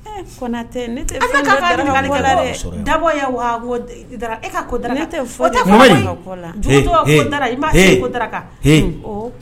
Tɛ dabɔ i' kan